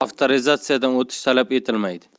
avtorizatsiyadan o'tish talab etilmaydi